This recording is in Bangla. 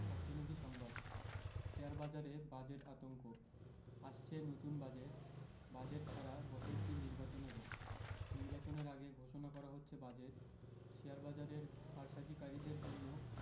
অর্থনীতি সংবাদ শেয়ারবাজারে বাজেট আতঙ্ক আসছে নতুন বাজেট বাজেট ছাড়া বছরটি নির্বাচনেরও নির্বাচনের আগে ঘোষণা করা হচ্ছে বাজেট শেয়ারবাজারের কারসাজিকারীদের জন্য